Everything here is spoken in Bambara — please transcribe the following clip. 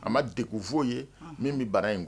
A ma defɔ ye min bɛ baara in kuwa